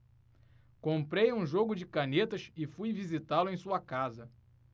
comprei um jogo de canetas e fui visitá-lo em sua casa